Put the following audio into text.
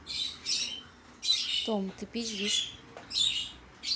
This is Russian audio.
том ты пиздишь